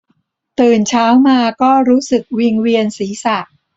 ตื่นเช้ามาก็รู้สึกวิงเวียนศีรษะ